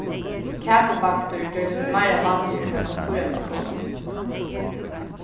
kakubakstur gjørdist meira vanligur tá komfýrarnir komu